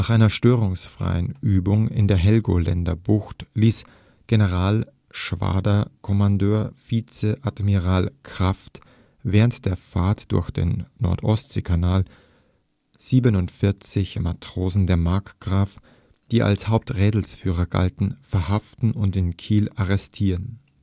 einer störungsfreien Übung in der Helgoländer Bucht ließ Geschwaderkommandeur Vizeadmiral Kraft während der Fahrt durch den Nord-Ostsee-Kanal 47 Matrosen der „ Markgraf “, die als Haupträdelsführer galten, verhaften und in Kiel arrestieren